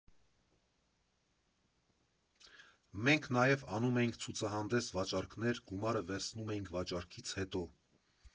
Մենք նաև անում էինք ցուցահանդես֊վաճառքներ, գումարը վերցնում էինք վաճառքից հետո։